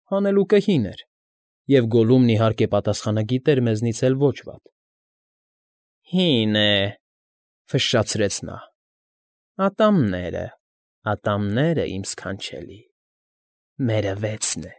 Հանելուկը հին էր, և Գոլլումն, իհարկե, պատասխանը գիտեր մեզնից էլ ոչ վատ։ ֊ Հ֊հ֊հին է,֊ ֆշշացրեց նա։֊ Ատամները… Ատամները… իմ ս֊ս֊սքանչելի… Մերը վ֊վ֊վեցն։